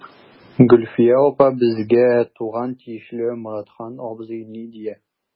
Гөлфия апа, безгә туган тиешле Моратхан абзый ни дия.